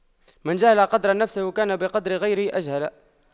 من جهل قدر نفسه كان بقدر غيره أجهل